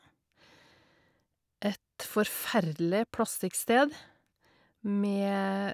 Et forferdelig plastikksted med...